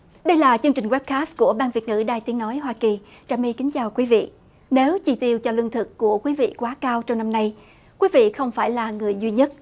đây là chương trình ghép cát của ban việt ngữ đài tiếng nói hoa kỳ trà mi kính chào quý vị nếu chi tiêu cho lương thực của quý vị quá cao trong năm nay quý vị không phải là người duy nhất